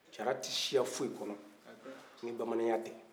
jara te siya fosi kɔnɔ ni bamanan ya tɛ